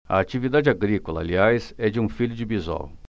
a atividade agrícola aliás é de um filho de bisol